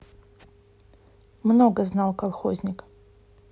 много знал колхозник